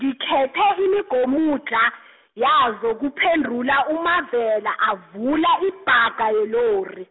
ngikhethe imigomudlha yazo kuphendula uMavela avula ibhaga yelori.